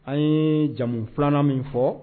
An ye jamu filanan min fɔ